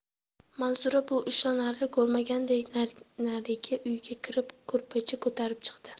manzura bu ishorani ko'rmaganday narigi uyga kirib ko'rpacha ko'tarib chiqdi